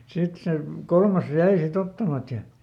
sitten se kolmas jäi sitten ottamatta ja